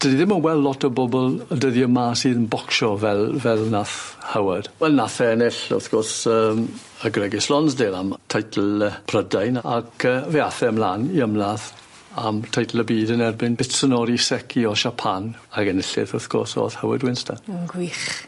'Dyn ni ddim yn wel' lot o bobol y dyddie 'ma sy'n bocsio fel fel nath Howard. Wel nath e ennill wrth gwrs yym y Greggish Lonsdale am teitl yy Prydain ac yy fe ath e mlan i ymladd am teitl y byd yn erbyn Bitsunori Seki o Siapan ag enillydd wrth gwrs o'dd Howard Winston. Yn gwych.